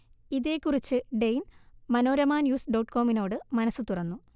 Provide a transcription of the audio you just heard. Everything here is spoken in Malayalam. ഇതേക്കുറിച്ച് ഡെയ്ൻ മനോരമ ന്യൂസ് ഡോട്ട്കോമിനോട് മനസ് തുറന്നു